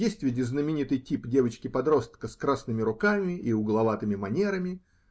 Есть ведь и знаменитый тип девочки-подростка с красными руками и угловатыми манерами